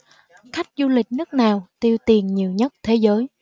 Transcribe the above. khách du lịch nước nào tiêu tiền nhiều nhất thế giới